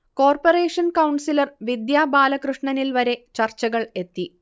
corporation councillor Vidya ബാലകൃഷ്ണനിൽ വരെ ചർച്ചകൾ എത്തി